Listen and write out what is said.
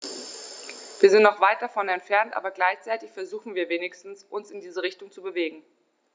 Wir sind noch weit davon entfernt, aber gleichzeitig versuchen wir wenigstens, uns in diese Richtung zu bewegen.